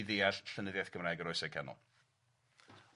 i ddeall llenyddiaeth Gymraeg yr Oesau Canol.